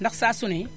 ndax saa su ne